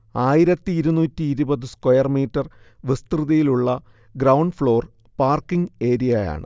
ആയിരത്തി ഇരുന്നൂറ്റി ഇരുപത് സ്ക്വയർ മീറ്റർ വിസ്തൃതിയിലുള്ള ഗ്രൗണ്ട് ഫ്ളോർ പാർക്കിങ് ഏരിയയാണ്